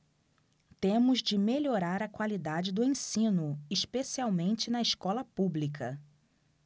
temos de melhorar a qualidade do ensino especialmente na escola pública